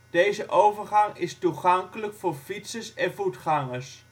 Deze overgang is toegankelijk voor fietsers en voetgangers